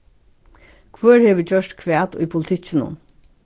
hvør hevur gjørt hvat í politikkinum